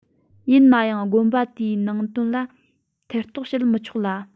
ཡིན ནའང དགོན པ དེའི ནང དོན ལ ཐེ གཏོགས བྱེད མི ཆོག ལ